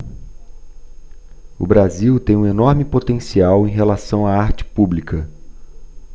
o brasil tem um enorme potencial em relação à arte pública